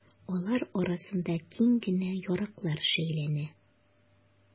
Алар арасында киң генә ярыклар шәйләнә.